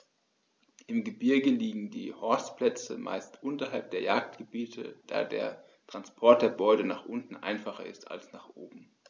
Im Gebirge liegen die Horstplätze meist unterhalb der Jagdgebiete, da der Transport der Beute nach unten einfacher ist als nach oben.